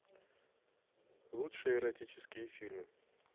лучшие эротические фильмы